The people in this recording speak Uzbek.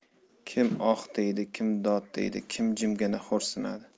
kim oh deydi kim dod deydi kim jimgina xo'rsinadi